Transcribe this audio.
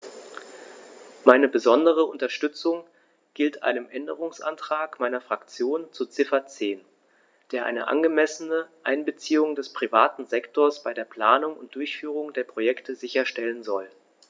Meine besondere Unterstützung gilt einem Änderungsantrag meiner Fraktion zu Ziffer 10, der eine angemessene Einbeziehung des privaten Sektors bei der Planung und Durchführung der Projekte sicherstellen soll.